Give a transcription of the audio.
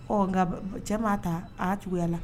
Ɔ nka b b cɛ maa taa aa cogoya la